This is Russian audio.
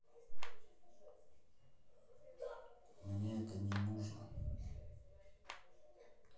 мне это не нужно